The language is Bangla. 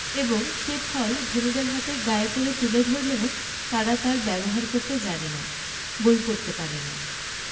এবং সে ফল ধনীদের হাতে গায়ে পড়ে তুলে ধরলেও তারা তার ব্যবহার করতে জানে না বই পড়তে পারে না